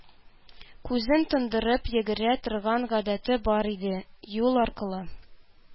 Күзен тондырып йөгерә торган гадәте бар иде, юл аркылы